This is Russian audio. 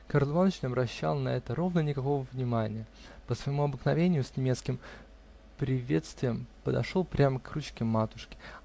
Карл Иваныч, не обращая на это ровно никакого внимания, по своему обыкновению, с немецким приветствием подошел прямо к ручке матушки.